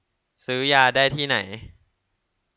ซื้อยาได้ที่ไหน